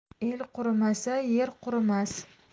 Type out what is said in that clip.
el qurimasa yer qurimas